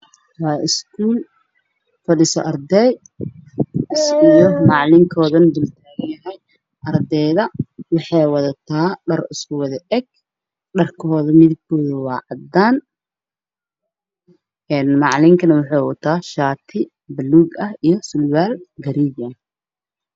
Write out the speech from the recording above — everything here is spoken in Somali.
Waa iskul fadhisa arday io malinkode dultagan ardayda waxey watan dhar isku wada ig wana cadan malinkan waxow wata shati balug ah io sarwal garey ah